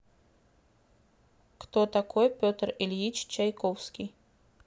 кто такой петр ильич чайковский